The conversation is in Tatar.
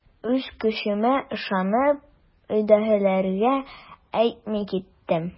Үз көчемә ышанып, өйдәгеләргә әйтми киттем.